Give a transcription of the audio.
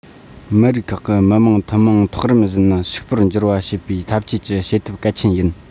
མི རིགས ཁག གི མི དམངས ཐུན མོང ཐོག རིམ བཞིན ཕྱུག པོར འགྱུར བ བྱེད པའི འཐབ ཇུས ཀྱི བྱེད ཐབས གལ ཆེན ཡིན